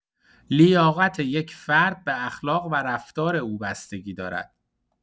لیاقت یک فرد به اخلاق و رفتار او بستگی دارد.